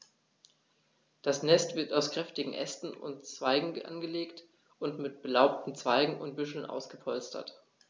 Das Nest wird aus kräftigen Ästen und Zweigen angelegt und mit belaubten Zweigen und Büscheln ausgepolstert.